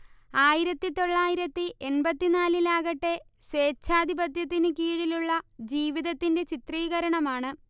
ആയിരത്തിതൊള്ളായിരത്തി എൺപത്തിനാലിലാകട്ടെ സ്വേച്ഛാധിപത്യത്തിന് കീഴിലുള്ള ജീവിതത്തിന്റെ ചിത്രീകരണമാണ്